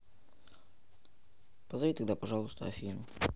позови тогда пожалуйста афину